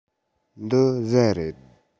འདི ཟྭ རེད